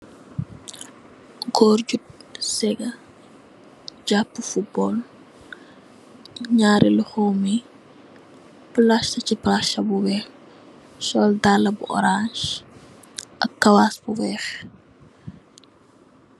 Goor ju sega jampu football nyarri loxom yi palassibubassa bu weex sol dalla orance ak kawas bu weex.